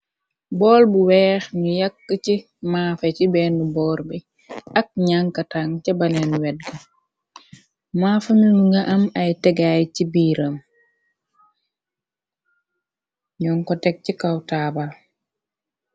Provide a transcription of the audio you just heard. bool bu weex ñu yakk ci maafé ci benn boor bi ak nanka taŋg ca balen wedg maafa mimu nga am ay tegaay ci biiram ñoon ko teg ci kaw taabal